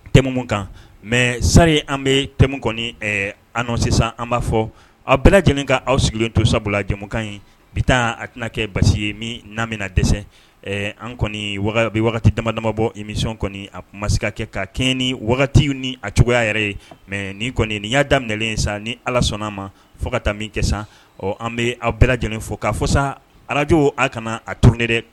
Te kan mɛ sari an bɛ tɛmɛ kɔni an sisan an b'a fɔ aw bɛɛ lajɛlen ka aw sigilen to sabula jamukan ɲi bi taa a tɛna kɛ basi ye min na min dɛsɛ an kɔni wagati dama damamabɔ imi nisɔn kɔni a masi ka kɛ ka kɛ ni wagati ni a cogoya yɛrɛ ye mɛ nin kɔni nin y'a daminɛlen in san ni ala sɔnna' ma fɔ ka taa min kɛ san an bɛ aw bɛɛ lajɛlen fɔ k'a fɔsa alajo a kana a tone dɛ